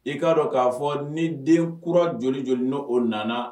I k'a dɔn k'a fɔ ni den kura joli joli' o nana